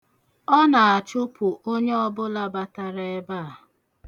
Ọ na-achụpụ onye ọbụla batara ebe a.